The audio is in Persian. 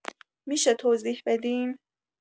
می‌شه توضیح بدین